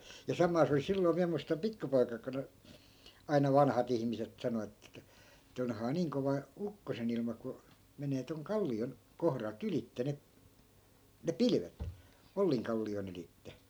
ja samaa se oli silloin minä muistan - pikkupoika-aikoina aina vanhat ihmiset sanoi että että onhan niin kova ukkosen ilma kun menee tuon kallion kohdalta ylitse ne ne pilvet Ollinkallion ylitse